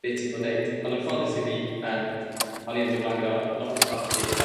be ti fod 'neud? Ond yn ffodus i fi yym oni yn dod 'mla'n gyda lot o fflat fi